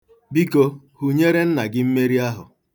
Biko, hunyere nna gị mmeri ahụ.